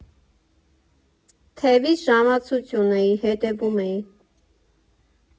Թևիս ժամացույց ունեի, հետևում էի։